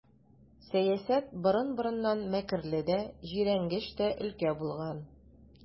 Сәясәт борын-борыннан мәкерле дә, җирәнгеч тә өлкә булган.